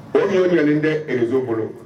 O y'o ɲ tɛzso bolo